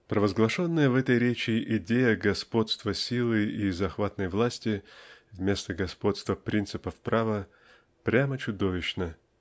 Провозглашенная в этой речи идея господства силы и захватной власти вместо господства принципов права прямо чудовищна.